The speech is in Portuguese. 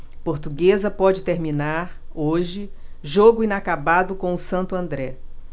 portuguesa pode terminar hoje jogo inacabado com o santo andré